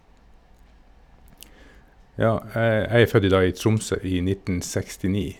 Ja, jeg er født i da i Tromsø i nitten sekstini.